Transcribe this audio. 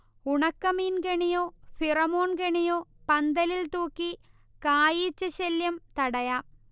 ഉണക്കമീൻ കെണിയോ, ഫിറമോൺ കെണിയോ പന്തലിൽ തൂക്കി കായീച്ചശല്യം തടയാം